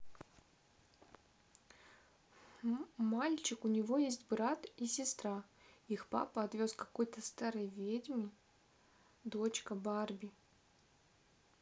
мальчик у него есть брат и сестра их папа отвез какой то старой ведьмой дочка барби